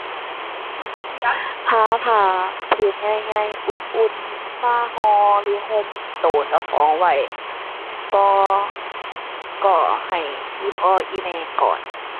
หาผ้าผืนใหญ่ใหญ่อุ่นอุ่นมาห่อ หรือห่มตัวเจ้าของไว้ บ่ก็ให้อีพ่ออีแม่กอด